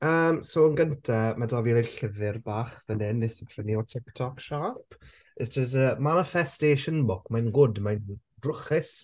Yym so yn gynta ma' 'da fi yr llyfr bach fan hyn wnes i prynu o TikTok shop. It's just a manifestation book mae'n good mae'n drwchus.